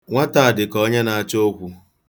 Nwata a dị ka onye na-achọ okwu.